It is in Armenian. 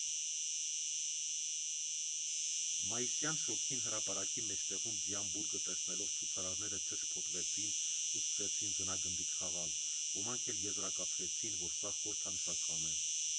Մայիսյան շոգին հրապարակի մեջտեղում ձյան բուրգը տեսնելով ցուցարարները չշփոթվեցին ու սկսեցին ձնագնդիկ խաղալ, ոմանք էլ եզրակացրեցին, որ սա խորհրդանշական է.